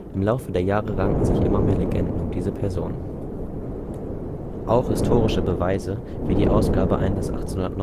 Laufe der Jahre ranken sich immer mehr Legenden um diese Person. Auch historische „ Beweise “, wie die Ausgabe eines 1809